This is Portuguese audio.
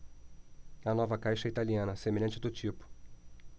a nova caixa é italiana semelhante à do tipo